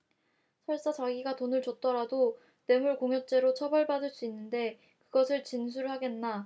설사 자기가 돈을 줬더라도 뇌물공여죄로 처벌받을 수 있는데 그것을 진술하겠나